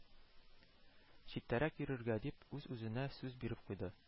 Читтәрәк йөрергә дип, үз-үзенә сүз биреп куйды